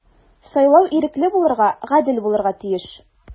Сайлау ирекле булырга, гадел булырга тиеш.